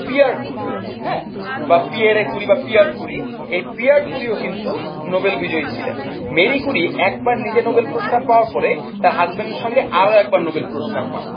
peer Curie বা Pierre Curie বা Pierre Curie এই পিয়ার কুরিও কিন্তু নোবেল বিজয়ী ছিলেন মেরি কুরি একবার নিজে নোবেল পুরস্কার পাওয়ার পরে হাজবেন্ডের সঙ্গে আরও একবার নোবেল পুরস্কার পান